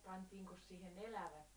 pantiinkos siihen elävä